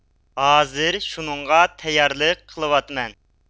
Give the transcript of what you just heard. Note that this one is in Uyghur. ھازىر شۇنىڭغا تەييارلىق قىلىۋاتىمەن